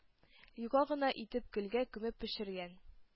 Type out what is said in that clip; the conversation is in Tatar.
Юка гына итеп көлгә күмеп пешергән